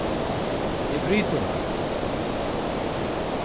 hebridurnar